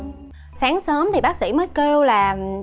sáng sớm thì bác sĩ mới kêu là